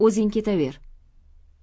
o'zing ketaver